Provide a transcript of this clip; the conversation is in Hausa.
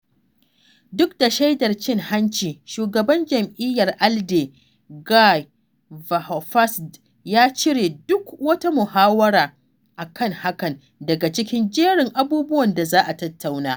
Duk da shaidar cin hanci, Shugaban jam'iyyar ALDE, Guy Verhofstadt ya cire duk wata muhawara a kan hakan daga cikin jerin abubuwan da za'a tattauna.